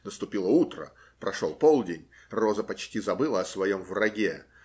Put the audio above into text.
Наступило утро, прошел полдень, роза почти забыла о своем враге.